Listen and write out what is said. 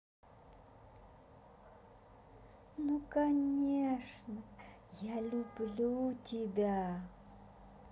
ну конечно я люблю тебя